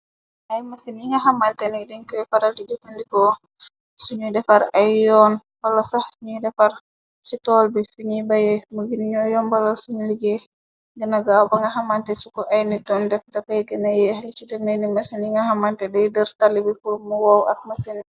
Ay mësini nga xamante ni deñ koy faral di jufandikoo suñuy defar ay yoon wala sax ñuy defar ci tool bi fi ñuy baye mugin ñoo yombalal suñu ligee gëna gaaw ba nga xamante suko ay nitoon def dafay gëna yeex li citameeni mëse ni nga xamante day dër tali bi pur mu woow ak mëseni.